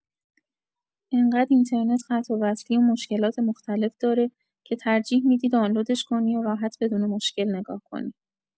انقد اینترنت قطع و وصلی و مشکلات مختلف داره که ترجیح می‌دی دانلودش کنی و راحت بدون مشکل نگاه کنی.